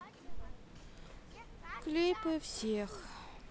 клипы всех